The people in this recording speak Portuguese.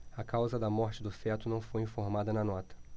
a causa da morte do feto não foi informada na nota